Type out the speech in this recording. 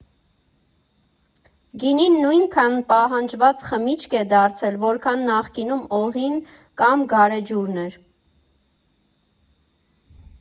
Գինին նույնքան պահանջված խմիչք է դարձել, որքան նախկինում օղին կամ գարեջուրն էր։